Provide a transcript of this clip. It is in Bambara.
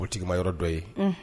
Otigima yɔrɔ dɔ ye